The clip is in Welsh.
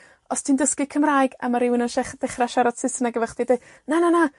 Os ti'n dysgu Cymraeg, a ma' rywun yn shech- dechra siarad Saesneg efo chdi deud, na na na.